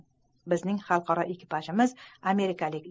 bizning xalqaro ekipajimiz amerikalik